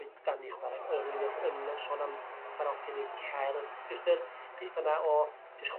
coedan ne' chwara' yrr rywun y chw- yn yrr sôn am chwara' offeryn cerdd, jyst yr petha' 'na o jyst